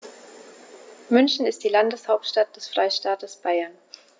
München ist die Landeshauptstadt des Freistaates Bayern.